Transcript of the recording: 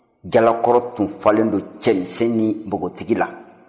jalakɔrɔ tun falen don cɛmisɛn ni npogotigi la